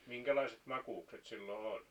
minkälaiset makuukset silloin oli